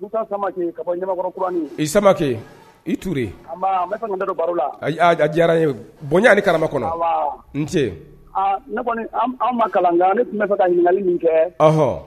I sabalikɛ iur baro la diyara ye bonyaani ni kala kɔnɔ n ce kɔni ma kalan tun bɛ fɛ ka ɲininkali min kɛhɔn